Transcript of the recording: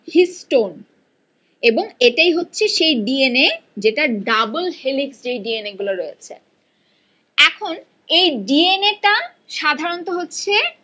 histone এটাই হচ্ছে সেই ডি এন এ যেটা ডাবল হেলিক্স যে ডিএনএ গুলো রয়েছে এখন এই ডিএন এটা সাধারণত হচ্ছে